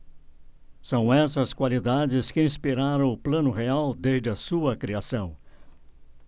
são essas qualidades que inspiraram o plano real desde a sua criação